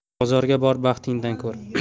bozorga bor baxtingdan ko'r